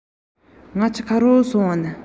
ཟང ཟིང རྩེན བཞིན པ གསལ པོ མཐོང ཐུབ